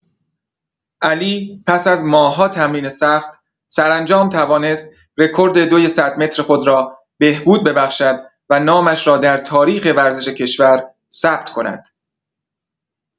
علی پس از ماه‌ها تمرین سخت، سرانجام توانست رکورد دوی صد متر خود را بهبود ببخشد و نامش را در تاریخ ورزش کشور ثبت کند.